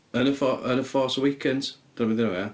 Yn y ffo- yn y Force Awakens, dyna be 'di enw fo, ia?